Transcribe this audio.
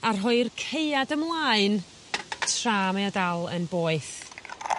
a rhoi'r caead ymlaen tra mae o dal yn boeth.